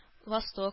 Восток